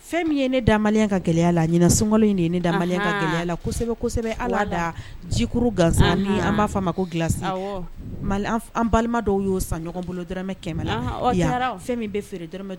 Fɛn min ye ne da Maliɲɛn ka gɛlɛya la ɲinɛ sunkalo in de ye ne da gɛlɛya la kosɛbɛko sɛbɛ hali a da jikuru gansan aa balima dɔw y'o san ɲɔgɔn bolo dɔrɔmɛ 100 fɛn min bɛ feere dɔrɔmɛ 25